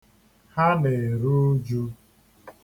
Ha na-eru ụjụ.